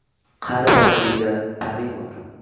qari bor uyda pari bor